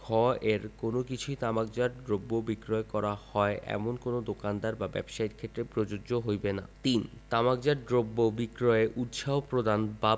ঘ এর কোন কিছুই তামাকজাত দ্রব্য বিক্রয় করা হয় এমন কোন দোকানদার বা ব্যবসায়ীর ক্ষেত্রে প্রযোজ্য হইবে না ৩ তামাকজাত দ্রব্য বিক্রয়ে উৎসাহ প্রদান বা